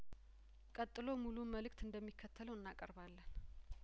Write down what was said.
ቀጥሎ ሙሉውን መልእክት እንደሚከተለው እናቀርባለን